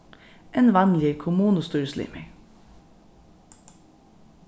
enn vanligir kommunustýrislimir